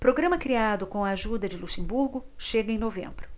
programa criado com a ajuda de luxemburgo chega em novembro